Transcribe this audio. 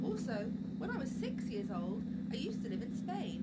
Also, when I was six-years-old, I used to live in Spain